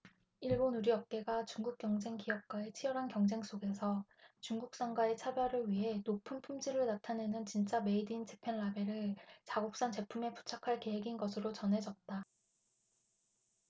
일본 의류업계가 중국 경쟁 기업과의 치열한 경쟁 속에서 중국산과의 차별을 위해 높은 품질을 나타내는 진짜 메이드 인 재팬 라벨을 자국산 제품에 부착할 계획인 것으로 전해졌다